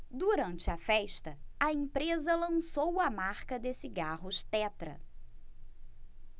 durante a festa a empresa lançou a marca de cigarros tetra